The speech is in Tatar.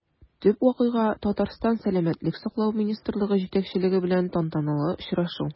Төп вакыйга – Татарстан сәламәтлек саклау министрлыгы җитәкчелеге белән тантаналы очрашу.